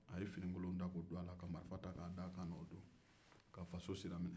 a ye fininkolo ta ko don ka marifa d'a kan na ka faso sira minɛ